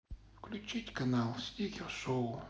включить канал стикер шоу